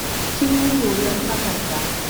Kin yi yoyon takardar?